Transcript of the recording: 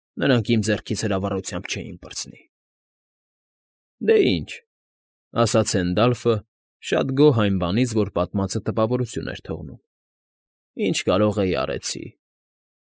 Նրանք իմ ձեռքից հրավառությամբ չէին պրծնի։ ֊ Դե ինչ,֊ ասաց Հենդալֆը, շատ գոհ այն բանից, որ պատմվածքը տպավորություն էր թողնում,֊ ինչ կարող էի՝ արեցի։